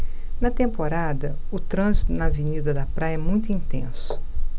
na temporada o trânsito na avenida da praia é muito intenso